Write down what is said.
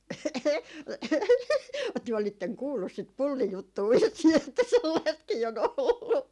te olitte kuullut sitä pullijuttua vissiin että sellaistakin on ollut